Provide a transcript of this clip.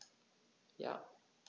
Ja.